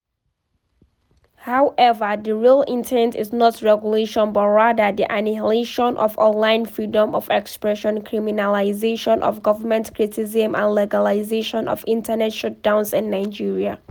However, the real intent is not regulation, but rather, the annihilation of online freedom of expression, criminalization of government criticism and legalization of internet shutdowns in Nigeria.